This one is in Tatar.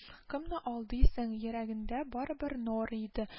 Кемне алдыйсың, йөрәгендә барыбер Нора иде